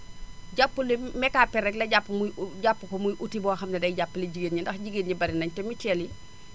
jàppul ne Mecapel rek la jàpp muy jàpp ko muy outil boo xam ne day jàppale jigéen ñi ndax jigéen ñi barinañ te mutuelle yi